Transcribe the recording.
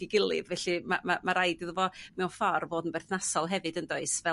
i gilydd. Felly ma' ma' raid iddo fo mewn ffor' fod yn berthnasol hefyd yn does? Fel